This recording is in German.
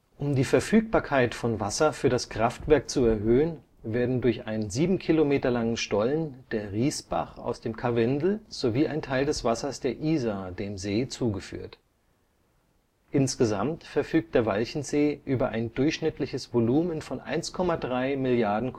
Um die Verfügbarkeit von Wasser für das Kraftwerk zu erhöhen, werden durch einen 7 km langen Stollen der Rißbach aus dem Karwendel sowie ein Teil des Wassers der Isar dem See zugeführt. Insgesamt verfügt der Walchensee über ein durchschnittliches Volumen von 1,3 Mrd.